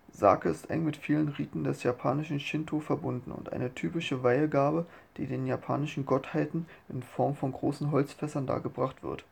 Sake ist eng mit vielen Riten des japanischen Shintō verbunden und eine typische Weihegabe, die den japanischen Gottheiten in Form von großen Holzfässern dargebracht wird